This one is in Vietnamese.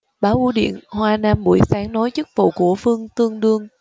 báo bưu điện hoa nam buổi sáng nói chức vụ của vương tương đương